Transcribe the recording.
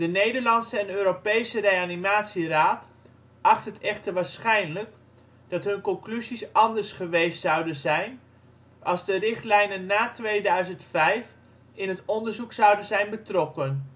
Nederlandse en Europese reanimatieraad acht het echter waarschijnlijk dat hun conclusies anders geweest zouden zijn als de richtlijnen na 2005 in het onderzoek zouden zijn betrokken